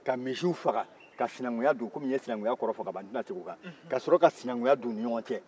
ka misiw faga ka sinankunya don kɔmi n ye sinankunya kɔrɔ fɔ n tɛna segin o kan ka sɔrɔ ka sinankuya don u ni ɲɔgɔn cɛ